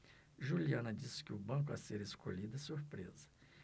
juliana disse que o banco a ser escolhido é surpresa